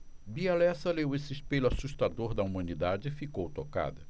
bia lessa leu esse espelho assustador da humanidade e ficou tocada